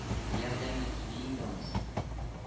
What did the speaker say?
Ярдәме тиде инде анысы